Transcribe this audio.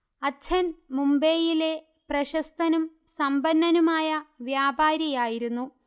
അച്ഛൻ മുംബൈയിലെ പ്രശസ്തനും സമ്പന്നനുമായ വ്യാപാരിയായിരുന്നു